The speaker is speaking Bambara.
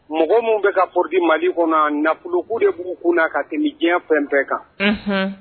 Mɔgɔ minnu bɛ ka porodi malibili kɔnɔ nafoloku de bugu kun na ka tɛmɛ diɲɛ fɛn bɛɛ kan